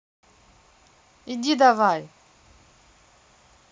иди давай